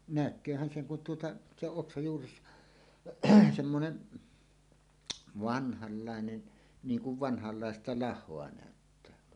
näkeehän sen kun tuota se on oksan juuressa semmoinen vanhanlainen niin kuin vanhanlaista lahoa näyttää olevan